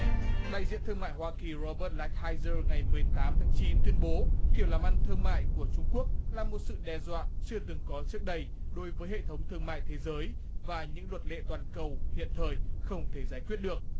đại diện thương mại hoa kỳ rô bớt lai thai dơ ngày mười tám tháng chín tuyên bố kiểu làm ăn thương mại của trung quốc là một sự đe dọa chưa từng có trước đây đối với hệ thống thương mại thế giới và những luật lệ toàn cầu hiện thời không thể giải quyết được